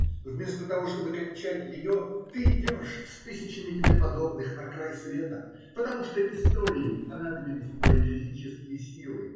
Вместо того чтобы кончать ее, ты идешь, с тысячами тебе подобных, на край света, потому что истории понадобились твои физические силы.